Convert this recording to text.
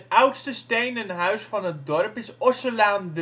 oudste stenen huis van het dorp is Ossenlaan